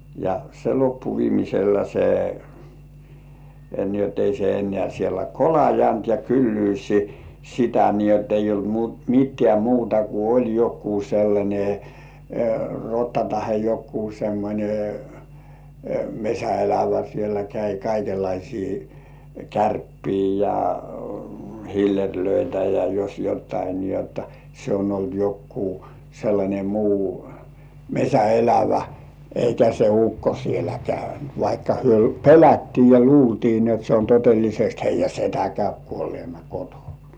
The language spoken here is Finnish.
ja se loppui viimeisellä se niin jotta ei se enää siellä kolannut ja kylyys sitä niin jotta ei ollut - mitään muuta kuin oli joku sellainen rotta tai joku semmoinen metsänelävä siellä kävi kaikenlaisia kärppiä ja hillereitä ja jos jotakin niin jotta se on ollut joku sellainen muu metsänelävä eikä se ukko siellä käynyt vaikka he pelättiin ja luultiin niin jotta se on todellisesti heidän setä käy kuolleena kotona